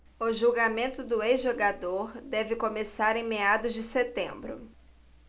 o julgamento do ex-jogador deve começar em meados de setembro